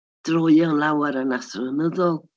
Droeon lawer yn athronyddol.